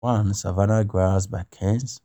1. "Savannah Grass" by Kes